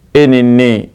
E ni ne